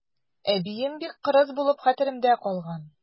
Әбием бик кырыс булып хәтеремдә калган.